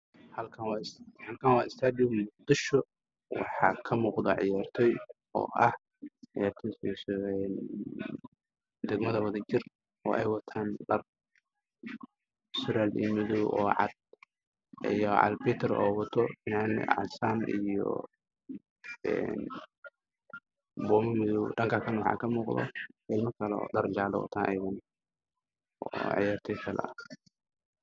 Halkan waa. Stadoum mogadishi waxa ka miqda ciyartoy ah degmada wada jir waxay watan dhar surwal madow cad albetaro wata fanand casan iyo bimo madow dhanka kale waxa ka muqda niman wata bume jalo oo ciyartoy kale ah